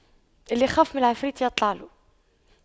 اللي يخاف من العفريت يطلع له